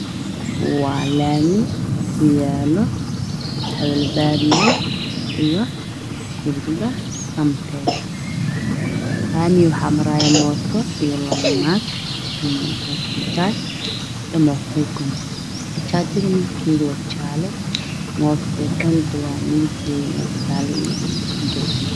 Waa laamiga kuyaalo xawalabaariyo iyo shirkada samtel, mooto iyo bajaaj, bajaajka midabkeedu waa jaale mooto faykoontuna waa gaduud iyo jaale ah.